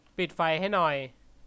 ปิดไฟให้หน่อย